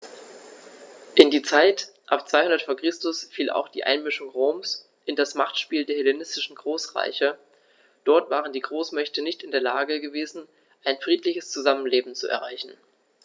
In die Zeit ab 200 v. Chr. fiel auch die Einmischung Roms in das Machtspiel der hellenistischen Großreiche: Dort waren die Großmächte nicht in der Lage gewesen, ein friedliches Zusammenleben zu erreichen.